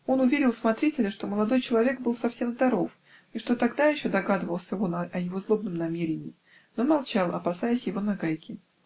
Он уверил смотрителя, что молодой человек был совсем здоров и что тогда еще догадывался он о его злобном намерении, но молчал, опасаясь его нагайки.